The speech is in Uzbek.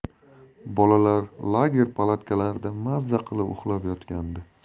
bolalar lager palatkalarida maza qilib uxlab yotgandi